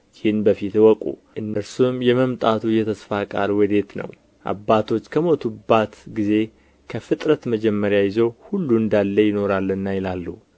ይህን በፊት እወቁ እነርሱም የመምጣቱ የተስፋ ቃል ወዴት ነው አባቶች ከሞቱባት ጊዜ ከፍጥረት መጀመሪያ ይዞ ሁሉ እንዳለ ይኖራልና ይላሉ